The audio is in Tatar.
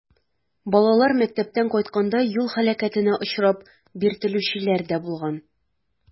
Балалар мәктәптән кайтканда юл һәлакәтенә очрап, биртелүчеләр дә булган.